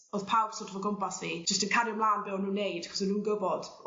o'dd pawb so't of o gwmpas fi jyst yn cario mlan be' o'n nw'n neud achos o' nw'n gwbod